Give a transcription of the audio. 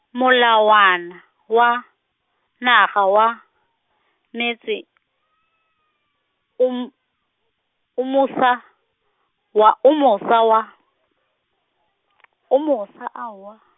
molawana, wa, naga wa, netse, o m-, o mosa, wa, o mosa wa , o mosa aowa.